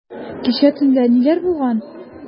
Кичә төнлә ниләр булган?